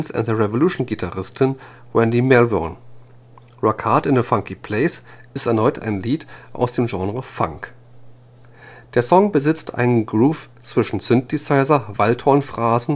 Prince-and-the-Revolution-Gitarristin Wendy Melvoin. Rockhard in a Funky Place ist erneut ein Lied aus dem Genre Funk. Der Song besitzt einen Groove zwischen Synthesizer, Waldhorn-Phrase